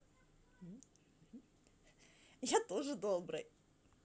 я тоже добрый